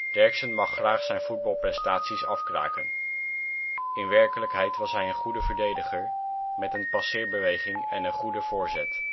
Derksen mag graag zijn voetbalprestaties afkraken. In werkelijkheid was hij een goede verdediger met een passeerbeweging en een goede voorzet